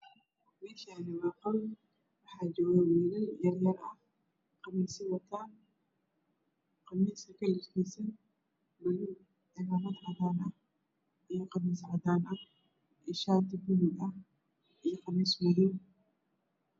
Meeshaani waa qol waxaa joogo wiilal yaryar qamiisyo wataan. Qamiis ka kalarkiisuna madow iyo cimaamad cadaan ah iyo qamiis cadaan ah iyo shaati buluug ah iyo qamiis madow.